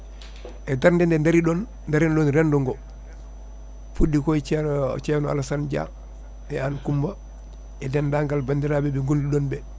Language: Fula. e daarde nde daariɗon rendo ngo fuɗɗi koye cer ceerno Alassane Dia e an an Coumba e dendagal bandiraɓe ɓe gonduɗon ɓe